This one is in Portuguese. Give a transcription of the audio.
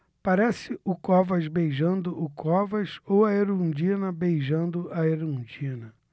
parece o covas beijando o covas ou a erundina beijando a erundina